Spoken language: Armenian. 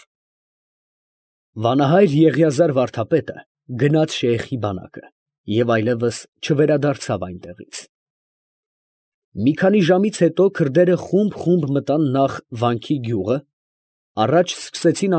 Վանահայր Եղիազար վարդապետը գնաց շեյխի բանակը, և այլևս չվերադարձավ այնտեղից… Մի քանի ժամից հետո քրդերը խումբ֊խումբ մտան նախ «Վանքի գյուղը», առաջ սկսեցին։